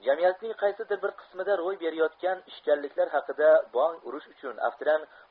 jamiyatning qaysidir bir qismida ro'y berayotgan ishkalliklar haqida bong urish uchun aftidan